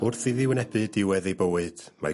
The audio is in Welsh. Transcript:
Wrth iddi wynebu diwedd ei bywyd mae...